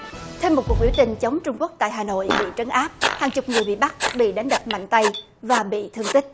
thêm một cuộc biểu tình chống trung quốc tại hà nội bị trấn áp hàng chục người bị bắt bị đánh đập mạnh tay và bị thương tích